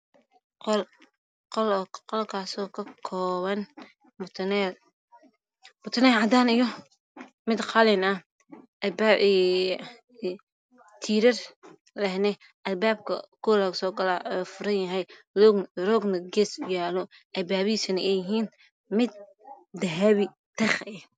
Qol qolkaso ka koob mutulel cadan ah iyo mid qalin ah tirar leh albabka kow laga so galaya u furan yahy roogna gees yaalo albabada ay yihin dahabi